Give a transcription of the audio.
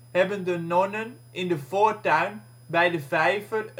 hebben de nonnen in de voortuin bij de vijver